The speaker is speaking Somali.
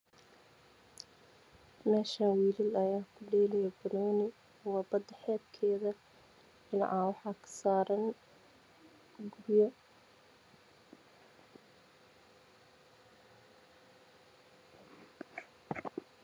Meeshaan wiilal ayaa kudheelaayo banooni oo badda xeebteeda. Dhinacaan waxaa kasaaran guryo.